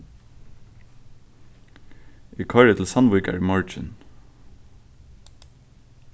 eg koyri til sandvíkar í morgin